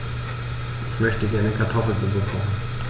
Ich möchte gerne Kartoffelsuppe kochen.